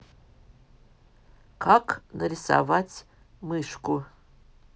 как нарисовать мышку